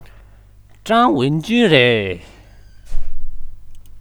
ཀྲང ཝུན ཅུན རེད